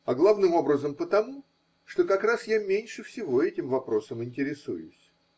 А главным образом потому, что как раз я меньше всего этим вопросом интересуюсь.